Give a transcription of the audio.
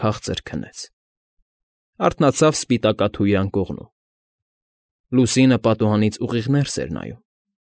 Քաղցր քնեց։ Արթնացավ սպիտակաթույր անկողնում, լուսինը պատուհանից ուղիղ ներս էր նայում։